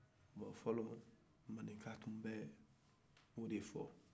fɔlɔ mande ka tun bɛ o de fɔ